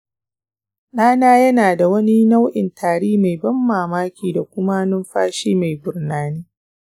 ɗana yana da wani nau'in tari mai ban mamaki da kuma numfashi mai gurnani